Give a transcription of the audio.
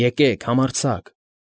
Եկեք։ Համարձակ։